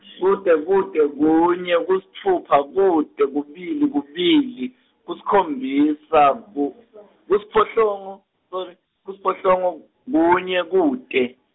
kute, kute, kunye, kusitfupha, kute, kubili, kubili, kusikhombisa, ku- kusiphohlongo sorry, kusiphohlongo, kunye, kute.